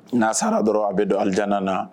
N'a sala dɔrɔn a bɛ don alijana na.